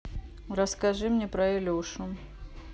расскажи мне про илюшу